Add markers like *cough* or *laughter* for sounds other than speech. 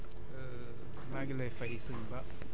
*hesitation* maa ngi lay fay sëñ Ba